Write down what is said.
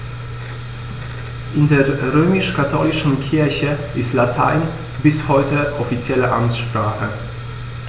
In der römisch-katholischen Kirche ist Latein bis heute offizielle Amtssprache.